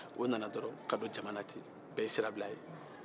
o nana dɔrɔn ka don jama na ten bɛɛ ye sira bila a ye